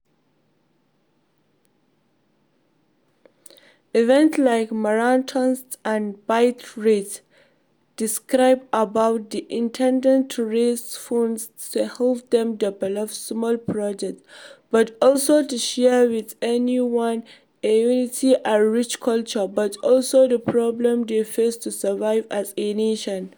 Events like the marathon and the bike race described above are intended to raise funds to help them develop small projects but also to share with anyone a unique and rich culture, but also the problems they face to survive as a nation.